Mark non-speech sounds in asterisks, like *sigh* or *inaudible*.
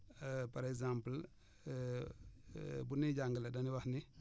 *hesitation* par exemple *hesitation* bu nuy jàngale dañuy wax ni